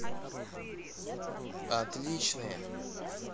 отличные